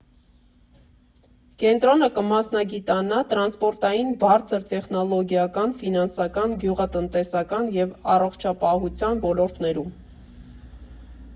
Կենտրոնը կմասնագիտանա տրասնպորտային, բարձր տեխնոլոգիական, ֆինանսական, գյուղատնտեսական և առողջապահության ոլորտներում։